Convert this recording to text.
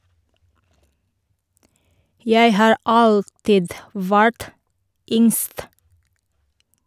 Jeg har alltid vært yngst.